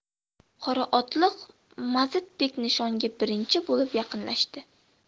qora otliq mazidbek nishonga birinchi bo'lib yaqinlashdi